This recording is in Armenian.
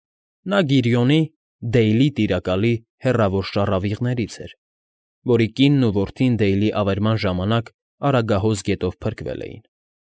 Նա Գիրիոնի՝ Դեյլի տիրակալի, հեռավոր շառավիղներից էր, որի կինն ու որդին Դեյլի ավերման ժամանակ Արագահոս գետով փրկվել էին։